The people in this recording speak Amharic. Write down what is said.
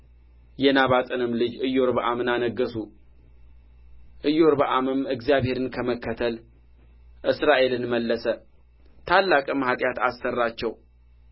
የናባጥንም ልጅ ኢዮርብዓምን አነገሡ ኢዮርብዓምም እግዚአብሔርን ከመከተል እስራኤልን መለሰ ታላቅም ኃጢአት አሠራቸው